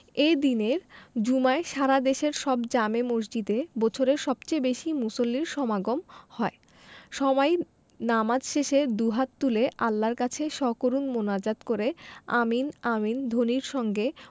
এ দিনের জুমায় সারা দেশের সব জামে মসজিদে বছরের সবচেয়ে বেশি মুসল্লির সমাগম হয় সবাই নামাজ শেষে দুহাত তুলে আল্লাহর কাছে সকরুণ মোনাজাত করে আমিন আমিন ধ্বনির সঙ্গে